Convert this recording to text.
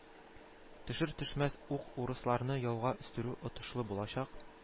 Төшер-төшмәс үк урысларны яуга өстерү отышлы булачак